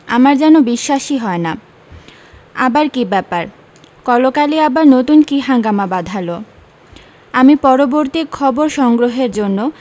আমার যেন বিশ্বাসই হয় না আবার কী ব্যাপার কলকালি আবার নতুন কী হাঙ্গামা বাধালো আমি পরবর্তী খবর সংগ্রহের জন্য